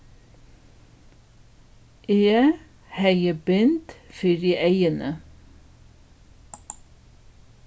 eg hevði bind fyri eyguni